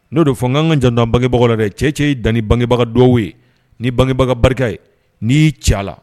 N'o fo n'an ka jan bangebagaw wɛrɛ dɛ cɛ cɛ ye dan ni bangebaga dɔw ye ni bangebaga barika ye n' y'i ci la